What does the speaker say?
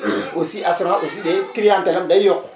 aussi assurance aussi day clientèle am day yokk